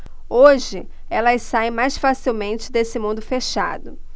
hoje elas saem mais facilmente desse mundo fechado